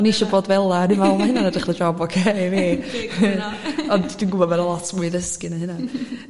oni isio bod fela'r oni f'el ma' hynna'n edrych fatha job oce i fi ond dwi'n gwbo ma' 'na lot mwy ddysgu na hyna